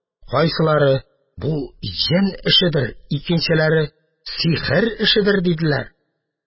Кайсылары: «Бу җен эшедер», икенчеләре: «Сихер эшедер», – диделәр.